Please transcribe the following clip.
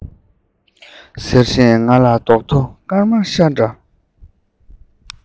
ཟེར བཞིན ང ལ རྡོག ཐོ